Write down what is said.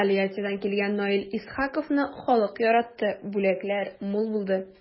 Тольяттидан килгән Наил Исхаковны халык яратты, бүләкләр мул булды.